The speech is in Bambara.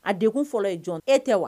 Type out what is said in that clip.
A de fɔlɔ ye jɔn e tɛ wa